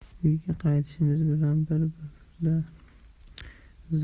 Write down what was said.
uyga qaytishimiz bilan bir